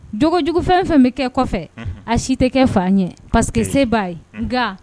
Jogojugu fɛn o fɛn bɛ kɛ kɔfɛ, unhun a si tɛ kɛ fa ɲɛna pa parce que se b'a ye nka